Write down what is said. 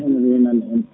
holne bayrumi nande on